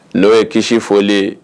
N'o ye kisi foli